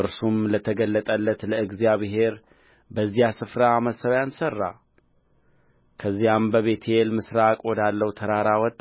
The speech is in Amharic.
እርሱም ለተገለጠለት ለእግዚአብሔር በዚያ ስፍራ መሠውያን ሠራ ከዚያም በቤቴል ምሥራቅ ወዳለው ተራራ ወጣ